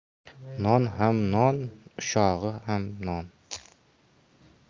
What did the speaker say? non ham non ushog'i ham non